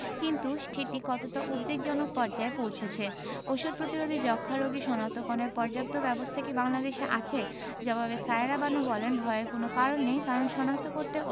কিন্তু সেটি কতটা উদ্বেগজনক পর্যায়ে পৌঁছেছে ওষুধ প্রতিরোধী যক্ষ্মা রোগী শনাক্তকরণে পর্যাপ্ত ব্যবস্থা কি বাংলাদেশে আছে জবাবে সায়েরা বানু বলেন ভয়ের কোনো কারণ নেই কারণ শনাক্ত করতে